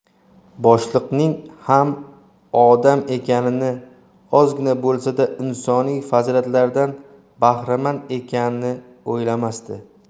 boshliqning ham odam ekanini ozgina bo'lsa da insoniy fazilatlardan bahramand ekanini o'ylamasdi